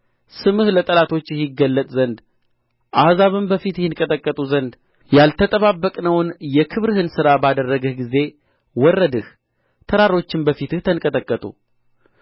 ስምህ ለጠላቶችህ ይገለጥ ዘንድ አሕዛብም በፊትህ ይንቀጠቀጡ ዘንድ ያልተጠባበቅነውን የክብርህን ሥራ ባደረግህ ጊዜ ወረድህ ተራሮችም በፊትህ ተንቀጠቀጡ